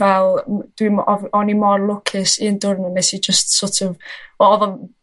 fel m- dwi'm odd o'n i mor lwcus un diwrno nes i jys so't of o- odd o'n